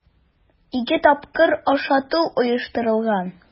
Ике тапкыр ашату оештырылган.